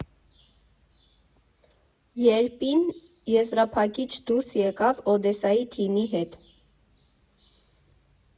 ԵրՊԻ֊ն եզրափակիչ դուրս եկավ Օդեսայի թիմի հետ։